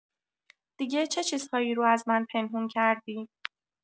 دیگه چه چیزهایی رو از من پنهون کردی؟